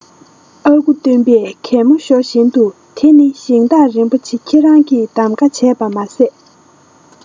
ཨ ཁུ སྟོན པས གད མོ ཤོར བཞིན དུ དེ ནི ཞིང བདག རིན པོ ཆེ ཁྱེད རང གི གདམ ཁ བྱས པ མ ཟད